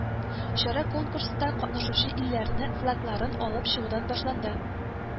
Чара конкурста катнашучы илләрне флагларын алып чыгудан башланды